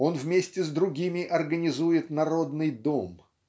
он вместе с другими организует народный дом